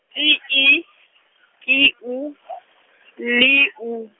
T I K U L U.